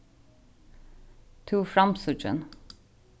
tú ert framsíggin